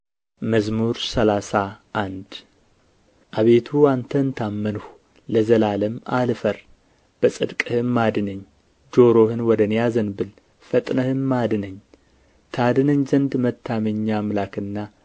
መዝሙር ሰላሳ አንድ አቤቱ አንተን ታመንሁ ለዘላለም አልፈር በጽድቅህም አድነኝ ጆሮህን ወደ እኔ አዘንብል ፈጥነህም አድነኝ ታድነኝ ዘንድ መታመኛ አምላክና